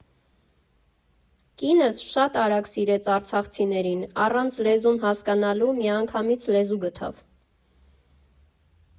Կինս շատ արագ սիրեց արցախցիներին, առանց լեզուն հասկանալու միանգամից լեզու գտավ։